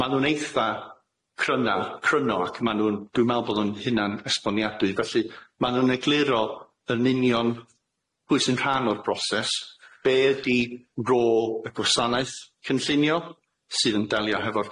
ma' nw'n eitha' cryna cryno ac ma' nw'n dwi me'wl bo' nw'n hunan esboniadwy felly ma' nw'n egluro yn union pwy sy'n rhan o'r broses be' ydi rôl y gwasanaeth cynllunio sydd yn delio hefo'r